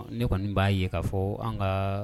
Ne kɔni b'a ye k ka fɔ an ka